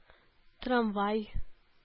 Трамвай